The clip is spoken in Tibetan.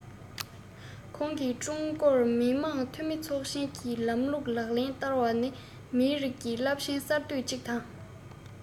ཁོང གིས ཀྲུང གོར མི དམངས འཐུས མི ཚོགས ཆེན གྱི ལམ ལུགས ལག ལེན བསྟར བ ནི མིའི རིགས ཀྱི རླབས ཆེའི གསར གཏོད ཅིག དང